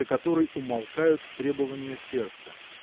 за которой умолкают требования сердца?